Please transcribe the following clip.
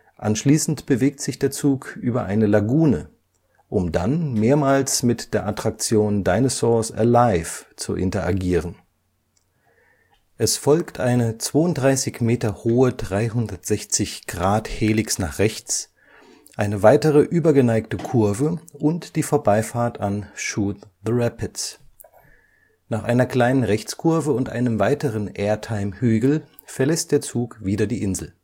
Anschließend bewegt sich der Zug über eine Lagune, um dann mehrmals mit der Attraktion Dinosaurs Alive! zu interagieren. Es folgt eine 32 Meter hohe 360-Grad-Helix nach rechts, eine weitere übergeneigte Kurve und die Vorbeifahrt an Shoot the Rapids. Nach einer kleinen Rechtskurve und einem weiteren Airtime-Hügel verlässt der Zug wieder die Insel